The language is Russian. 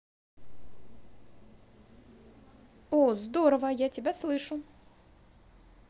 о здорово я тебя слышу